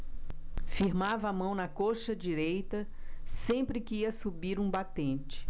firmava a mão na coxa direita sempre que ia subir um batente